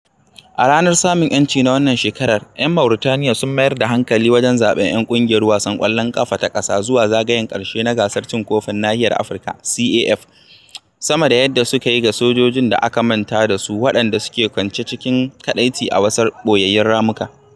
A ranar samun 'yanci na wannan shekarar, 'yan Mauritaniya sun mayar da hankali wajen zaɓen 'yan ƙungiyar wasan ƙwallon ƙafa ta ƙasa zuwa zagayen ƙarshe na gasar cin kofin nahiyar Afirka (CAF) sama da yadda suka yi ga "sojojin da aka manta da su [waɗanda] suke kwance cikin kaɗaici a wasu ɓoyayyun ramuka.